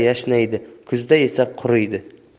yashnaydi kuzakda esa quriydi